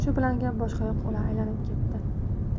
shu bilan gap boshqa yoqqa aylanib ketdi